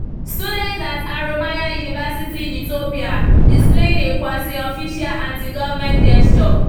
Students at Haromaya University in Ethiopia displaying a quasi-official anti-government gesture.